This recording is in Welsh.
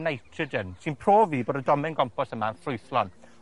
Nitrogen, sy'n profi bod y domen gompost yma'n ffrwythlon.